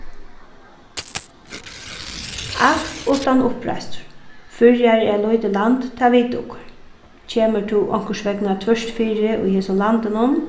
alt uttan uppreistur føroyar eru eitt lítið land tað vita okur kemur tú onkursvegna tvørtfyri í hesum landinum